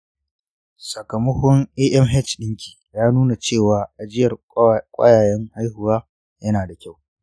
sakamakon amh ɗinki ya nuna cewa ajiyar ƙwayayen haihuwa yana da kyau.